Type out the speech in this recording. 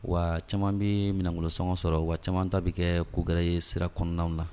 Wa caman bɛ minɛngolo sangɔ sɔrɔ wa caman ta bɛ kɛ koɛrɛ ye sira kɔnɔnaw na